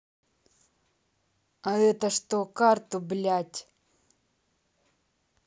а это что карту блять